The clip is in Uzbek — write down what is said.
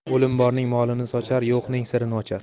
o'lim borning molini sochar yo'qning sirini ochar